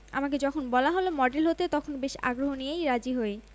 আমাকে যখন বলা হলো মডেল হতে তখন বেশ আগ্রহ নিয়েই রাজি হই